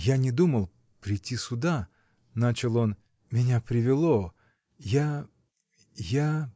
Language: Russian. -- Я не думал прийти сюда, -- начал он, -- меня привело. Я. я.